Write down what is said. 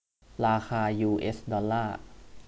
ราคายูเอสดอลล่าร์